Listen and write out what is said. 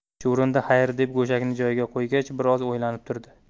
chuvrindi xayr deb go'shakni joyiga qo'ygach bir oz o'ylanib turdi